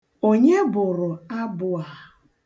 Onye bụrụ abụ a?